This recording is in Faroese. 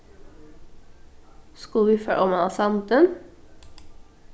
skulu vit fara oman á sandin